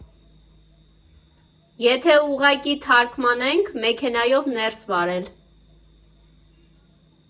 Եթե ուղղակի թարմգանենք՝ «մեքենայով ներս վարել»